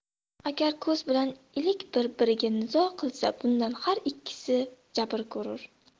agar ko'z bilan ilik bir biriga nizo qilsa bundan har ikkisi jabr ko'rur